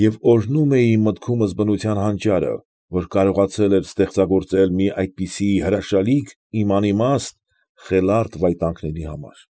Եվ օրհնում էի մտքումս բնության հանճարը, որ կարողացել էր ստեղծագործել մի այդպիսի հրաշալիք իմ անիմաստ, խելառ տվայտանքների համար։